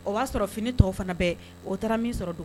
O y'a sɔrɔ fini tɔw fana bɛɛ o taara min sɔrɔ don